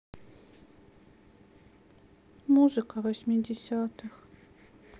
музыка восьмидесятых